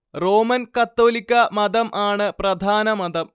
Roman‍ കത്തോലിക്കാ മതം ആണ് പ്രധാന മതം